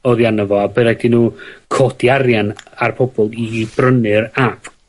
oddi arno fo a by' raid i nw codi arian ar pobol i brynu'r ap